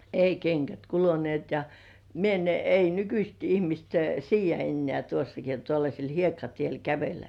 ei kengät kuluneet ja minä en ei nykyiset ihmiset siedä enää tuossakin on tuollaisella hiekkatiellä kävellä